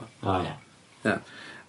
O ia. Ia